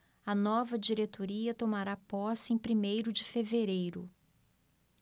a nova diretoria tomará posse em primeiro de fevereiro